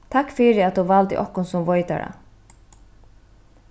takk fyri at tú valdi okkum sum veitara